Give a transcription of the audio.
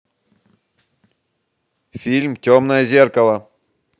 фильм темное зеркало